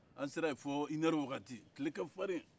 an sera yen fo nɛgɛ kanɲɛ fɔlɔ tile ka farin